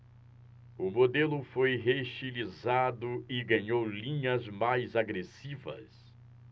o modelo foi reestilizado e ganhou linhas mais agressivas